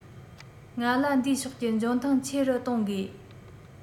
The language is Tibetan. ང ལ འདིའི ཕྱོགས ཀྱི འཇོན ཐང ཆེ རུ གཏོང དགོས